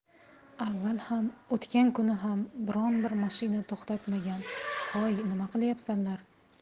avval ham o'tgan kuni ham biron bir mashina to'xtatmagan hoy nima qilyapsanlar